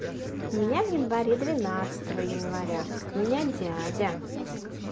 у меня в январе двенадцатого января у меня дядя